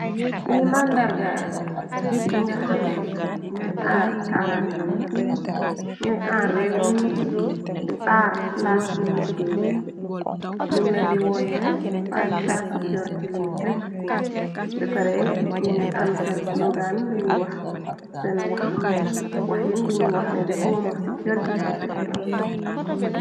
Li màndarga ñi nga xamne ñooy aar karange ni ci ñooy aar réew mi di aar class ñi liggéey yee ñuŋ len di wooye five star security limtk bepare ñu ngi am seen slogan liñuy wax seen wax waxiin biñuy wax ne di home of security profesionals.